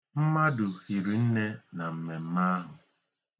Mmadụ hiri nne na mmemme ahụ.